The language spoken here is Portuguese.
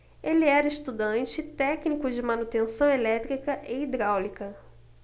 ele era estudante e técnico de manutenção elétrica e hidráulica